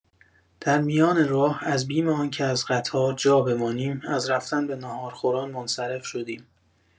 در میان راه از بیم آنکه از قطار جا بمانیم از رفتن به ناهارخوران منصرف شدیم.